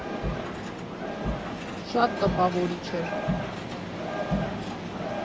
Շատ տպավորիչ էր։